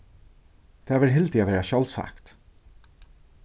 tað verður hildið at vera sjálvsagt